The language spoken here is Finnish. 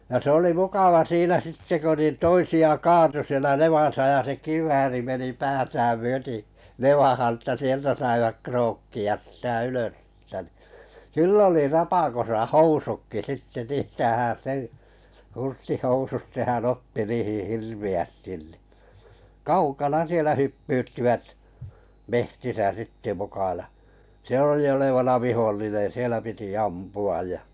ja se oli mukava siinä sitten kun niin toisia kaatui siellä nevassa ja se kivääri meni päätään myöten nevaan että sieltä saivat krookkia sitä ylös sieltä niin kyllä oli rapakossa housutkin sitten niin tietäähän sen hurstihousut sehän otti niihin hirveästi niin kaukana siellä hyppyyttivät metsissä sitten muka ja se oli olevana vihollinen siellä piti ampua ja